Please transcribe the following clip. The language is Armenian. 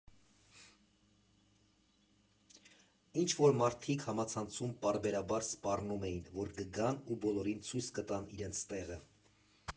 Ինչ֊որ մարդիկ համացանցում պարբերաբար սպառնում էին, որ կգան ու բոլորին ցույց կտան իրենց տեղը։